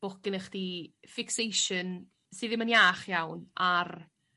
bo'ch gennych chdi fixation sy' ddim yn iach iawn ar